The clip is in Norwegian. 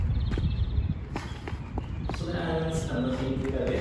Så det er en spennende tid vi lever i.